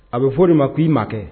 A bɛ fɔ de ma k' ii ma kɛ